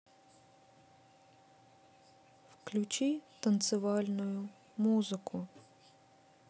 включи танцевальную музыку